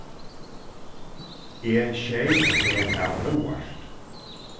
eg skeyt teg av óvart